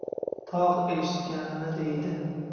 tog' eshitganini deydi